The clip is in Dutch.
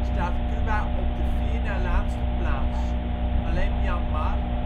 staat Cuba op de vier na laatste plaats; alleen Myanmar